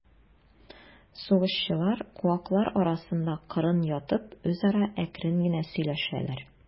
Сугышчылар, куаклар арасында кырын ятып, үзара әкрен генә сөйләшәләр.